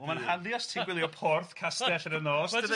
Wel ma'n handi os ti'n gwylio porth castell yn y nos dydi?